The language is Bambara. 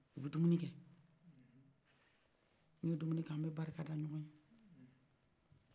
u b'ɛ dumunikɛ n'o dumunikɛ an bɛ barika da ɲɔgɔn ye